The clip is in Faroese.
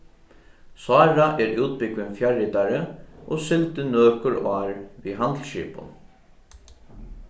sára er útbúgvin fjarritari og sigldi nøkur ár við handilsskipum